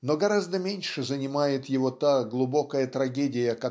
Но гораздо меньше занимает его та глубокая трагедия